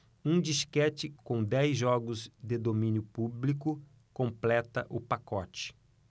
um disquete com dez jogos de domínio público completa o pacote